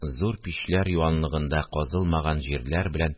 Зур мичләр юанлыгында казылмаган җирләр белән